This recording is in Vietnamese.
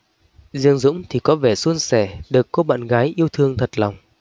riêng dũng thì có vẻ suôn sẻ được cô bạn gái yêu thương thật lòng